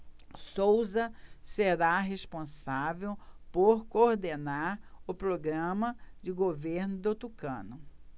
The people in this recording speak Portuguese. souza será responsável por coordenar o programa de governo do tucano